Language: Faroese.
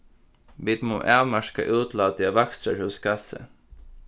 vit mugu avmarka útlátið av vakstrarhúsgassi